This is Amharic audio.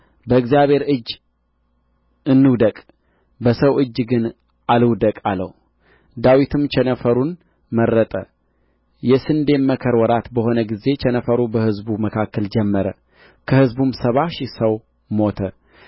በእግዚአብሔር እጅ እንውደቅ በሰው እጅ ግን አልውደቅ አለው ዳዊትም ቸነፈሩን መረጠ የስንዴም መከር ወራት በሆነ ጊዜ ቸነፈሩ በሕዝቡ መካከል ጀመረ ከሕዝቡም ሰባ ሺህ ሰው ሞተ